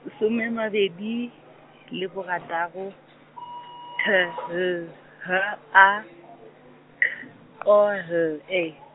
some a mabedi, le borataro , T L H A K O L E.